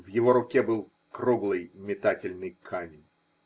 В его руке был круглый метательный камень.